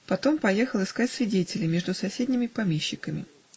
потом поехал искать свидетелей между соседними помещиками.